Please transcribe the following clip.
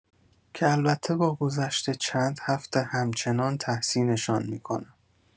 که البته با گذشت چند هفته همچنان تحسین‌شان می‌کنم.